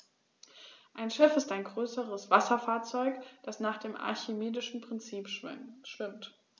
Ein Schiff ist ein größeres Wasserfahrzeug, das nach dem archimedischen Prinzip schwimmt.